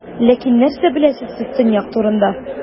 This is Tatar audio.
Ләкин нәрсә беләсез сез Төньяк турында?